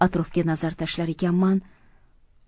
atrofga nazar tashlar ekanman